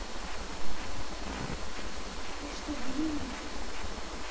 ты что беременный что ли